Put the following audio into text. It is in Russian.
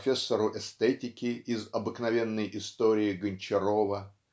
профессору эстетики из "Обыкновенной истории" Гончарова